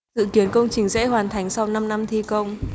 dự kiến công trình sẽ hoàn thành sau năm năm thi công